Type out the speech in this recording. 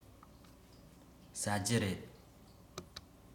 ཟ རྒྱུ རེད